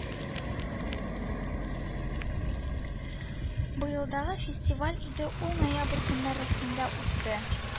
Быелгы фестиваль иде, ул ноябрь көннәрендә үтте